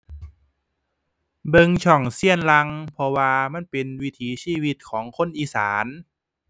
เบิ่งช่องเซียนหรั่ง เพราะว่ามันเป็นวิถีชีวิตของคนอีสาน